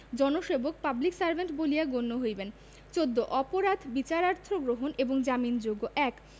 জনসেবক public servant বলিয়া গণ্য হইবেন ১৪ অপরাধ বিচারার্থ গ্রহণ এবং জামিনযোগ্যঃ ১